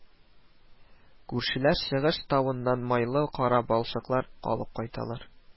Күршеләр Чыгыш тавыннан майлы кара балчык алып кайталар